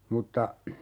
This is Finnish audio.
mutta